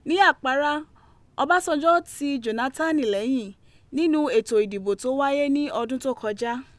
Ní àpárá, Ọbásanjọ́ ti Jónátánì lẹ́yìn nínú ètò ìdìbò tí ó wáyé ní ọdún tó kọjá.